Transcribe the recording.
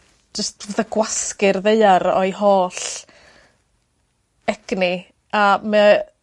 Jyst fatha gwasgu'r ddaear o'i holl egni a ma'